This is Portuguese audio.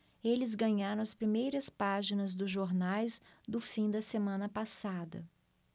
eles ganharam as primeiras páginas dos jornais do final da semana passada